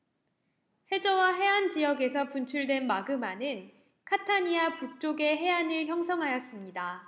해저와 해안 지역에서 분출된 마그마는 카타니아 북쪽의 해안을 형성하였습니다